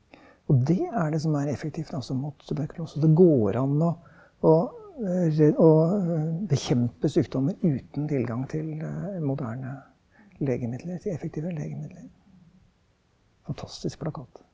og det er det som er effektivt altså mot tuberkulose, så det går an å å og bekjempe sykdommer uten tilgang til moderne legemidler, effektive legemidler, fantastisk plakat.